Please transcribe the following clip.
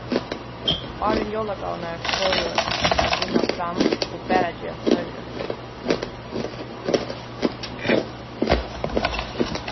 áðrenn jólagávurnar fóru at vinna fram og bara gerast størri